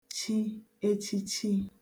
chi echichi